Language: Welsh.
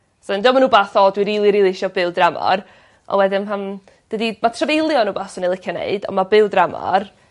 Swy'n 'di o'm yn wbath o dwi rili rili isio byw dramor. A wedyn pam... Dydi... Ma' trafeilu yn wbath san i licio neud on' ma' byw dramor